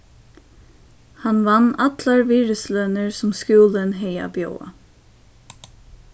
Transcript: hann vann allar virðislønir sum skúlin hevði at bjóða